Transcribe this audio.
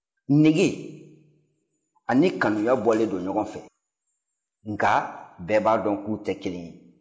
nege ani kanuya bɔlen don ɲɔgɔn fɛ nka bɛɛ b'a dɔn k'u tɛ kelen ye